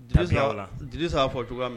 Tapis aw la. Drissa, Drissa y'a fɔ cogo min na.